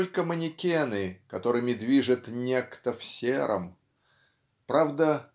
только манекены, которыми движет Некто в сером правда